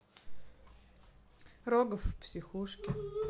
рогов в психушке